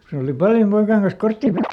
kun se oli paljon poikain kanssa korttia -